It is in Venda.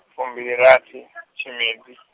fumbilirathi Tshimedzi.